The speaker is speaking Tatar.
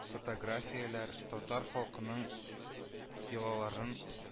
Фотографияләр, татар халкының йолаларын